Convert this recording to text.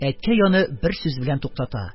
Әткәй аны бер сүз белән туктата: